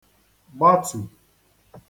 gbatù